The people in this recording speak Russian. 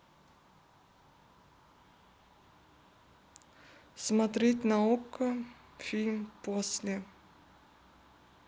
смотреть на окко фильм после